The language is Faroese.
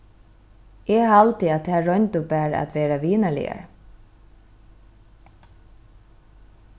eg haldi at tær royndu bara at vera vinarligar